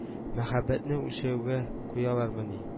Мәхәббәтне үлчәүгә куялармыни